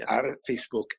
Ar Facebook.